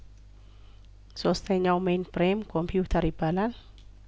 ሶስተኛው ሜይን ፍሬም ኮምፒውተር ይባላል